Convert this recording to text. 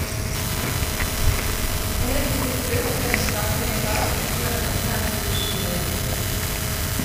En rekke grupper har fremmet svært høye krav, og forventningene er skrudd skyhøyt.